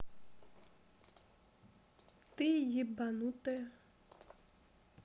ты ебанутая